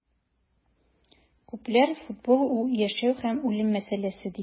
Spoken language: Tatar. Күпләр футбол - ул яшәү һәм үлем мәсьәләсе, диләр.